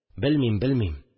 Белмим, белмим